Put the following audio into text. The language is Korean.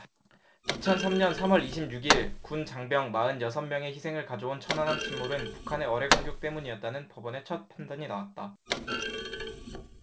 이천 십 년 삼 월 이십 육 일 군 장병 마흔 여섯 명의 희생을 가져온 천안함 침몰은 북한의 어뢰 공격 때문이었다는 법원의 첫 판단이 나왔다